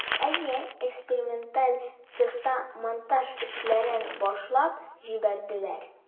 Әйе, эксперименталь цехта монтаж эшләрен башлап җибәрделәр.